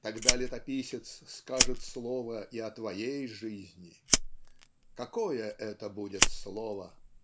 Тогда летописец скажет слово и о твоей жизни. Какое это будет слово?